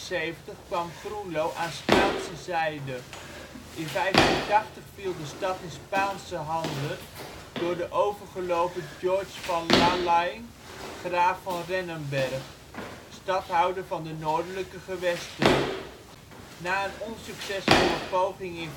1576 kwam Groenlo aan Staatse zijde. In 1580 viel de stad in Spaanse handen door de overgelopen George van Lalaing (Graaf van Rennenberg), stadhouder van de noordelijke gewesten. Na een onsuccesvolle poging in 1595